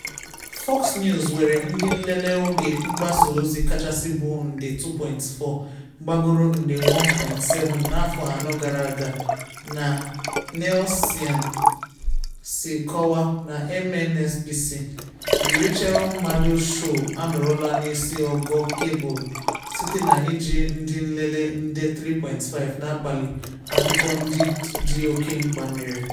Fox News nwere ndị nlele oge mgbasa ozi kachasị bụ nde 2.4, gbagoro nde 1.7 n’afọ anọ gara aga, ka Nielsen si kọwaa, na MSNBC “The Rachel Maddow Show” anọrọla n’isi ogo kebụl site na iji ndị nlele nde 3.5 n’abalị akụkọ ndị dị oke mkpa mere.